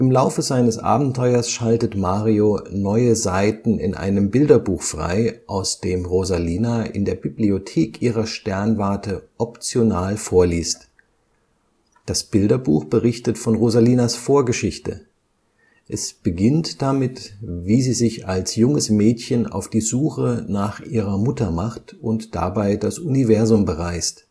Laufe seines Abenteuers schaltet Mario neue Seiten in einem Bilderbuch frei, aus dem Rosalina in der Bibliothek ihrer Sternwarte optional vorliest. Das Bilderbuch berichtet von Rosalinas Vorgeschichte. Es beginnt damit, wie sie sich als junges Mädchen auf die Suche nach ihrer Mutter macht und dabei das Universum bereist